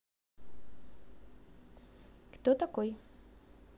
кто такой